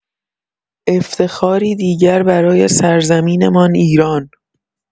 افتخاری دیگر برای سرزمین‌مان ایران!